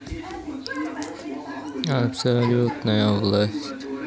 абсолютная власть